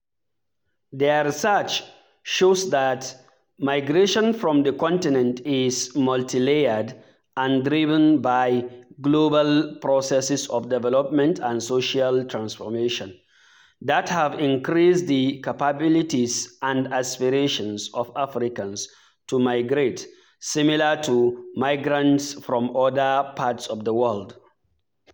Their research shows that migration from the continent is multi-layered and driven by global "processes of development and social transformation" that have increased the "capabilities and aspirations" of Africans’ to migrate — similar to migrants from other parts of the world.